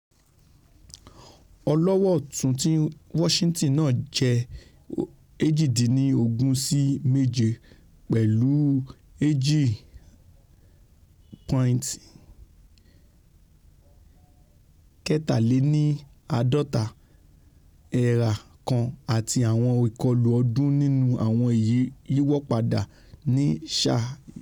Ọlọ́wọ́-ọ̀tún ti Washington náà jẹ́ 18-7 pẹ̀lú 2.53 ERA kan àti àwọn ìkọlù ọ̀ọ́dún nínú àwọn i̇̀yíwọ́padà ní sáà yìí.